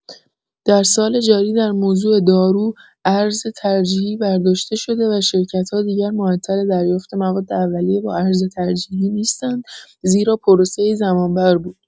در سال جاری در موضوع دارو، ارز ترجیحی برداشته شده و شرکت‌ها دیگر معطل دریافت مواد اولیه با ارز ترجیحی نیستند زیرا پروسه‌ای زمان‌بر بود.